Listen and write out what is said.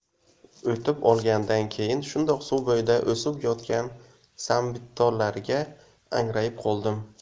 o'tib olgandan keyin shundoq suv bo'yida o'sib yotgan sambittollarga angrayib qoldim